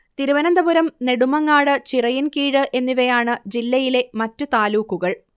തിരുവനന്തപുരം നെടുമങ്ങാട്, ചിറയൻകീഴ് എന്നിവയാണ് ജില്ലയിലെ മറ്റു താലൂക്കുകൾ